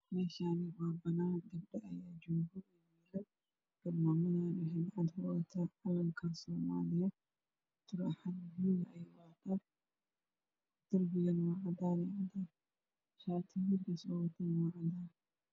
Meeshaani waa banaan calanka soomaliyo taurax darbiga cadaan shaati midabkiisa